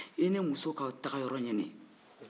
i n'i muso k'aw tagayɔrɔ ɲini